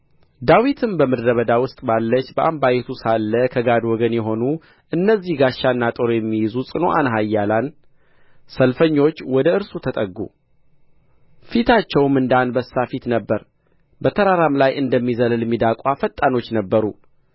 ዳዊትም ከምድረ በዳ ውስጥ ባለችው በአንባይቱ ሳለ ከጋድ ወገን የሆኑ እነዚህ ጋሻና ጦር የሚይዙ ጽኑዓን ኃያላን ሰልፈኞች ወደ እርሱ ተጠጉ ፊታቸውም እንደ አንበሳ ፊት ነበረ በተራራም ላይ እንደሚዘልል ሚዳቋ ፈጣኖች ነበሩ